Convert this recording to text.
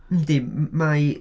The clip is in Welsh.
Yndi. M- mae